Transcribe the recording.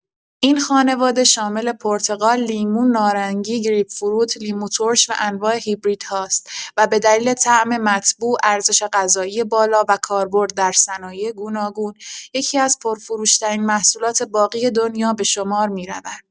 این خانواده شامل پرتقال، لیمو، نارنگی، گریپ‌فروت، لیموترش و انواع هیبریدها است و به دلیل طعم مطبوع، ارزش غذایی بالا و کاربرد در صنایع گوناگون یکی‌از پرفروش‌ترین محصولات باغی دنیا به شمار می‌روند.